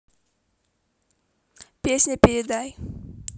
песня передай